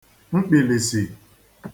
mkpìlìsì